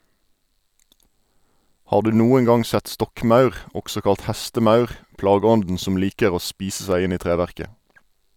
Har du noen gang sett stokkmaur, også kalt hestemaur, plageånden som liker å spise seg inn i treverket?